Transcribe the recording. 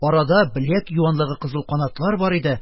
Арада беләк юанлыгы кызылканатлар бар иде,